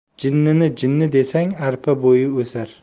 jinnini jinni desang arpa bo'yi o'sar